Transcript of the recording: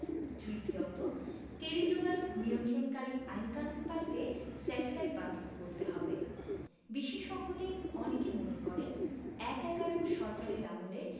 তৃতীয়ত টেলিযোগাযোগ নিয়ন্ত্রণকারী আইনকানুন পাল্টে স্যাটেলাইট বান্ধব করতে হবে বিশেষজ্ঞদের অনেকে মনে করেন এক–এগারোর সরকারের আমলে